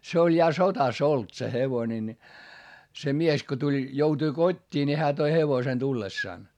se oli ja sodassa ollut se hevonen niin se mies kun tuli joutui kotiin niin hän toi hevosen tullessaan